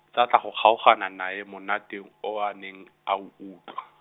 tsa tla go kgaogana nae monate, o a neng, a o utlwa.